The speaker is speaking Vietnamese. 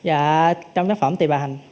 dạ trong tác phẩm tỳ bà hành